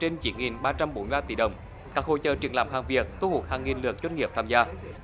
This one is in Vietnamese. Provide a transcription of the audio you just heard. trên chín nghìn ba trăm bốn ba tỷ đồng các hội chợ triển lãm hàng việt thu hút hàng nghìn lượt doanh nghiệp tham gia